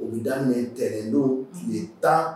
O bɛ da ninte don tile tan